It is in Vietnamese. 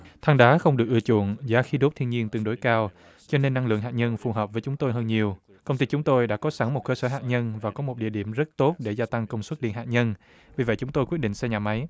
than đá không được ưa chuộng giá khí đốt thiên nhiên tương đối cao cho nên năng lượng hạt nhân phù hợp với chúng tôi hơn nhiều công ty chúng tôi đã có sẵn một cơ sở hạt nhân và có một địa điểm rất tốt để gia tăng công suất điện hạt nhân vì vậy chúng tôi quyết định xây nhà máy